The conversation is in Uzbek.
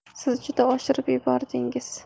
siz juda oshirib yubordingiz